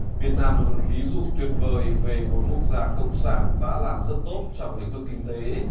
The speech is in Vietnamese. việt nam là một ví dụ tuyệt vời về một quốc gia cộng sản đã làm rất tốt trong lĩnh vực kinh tế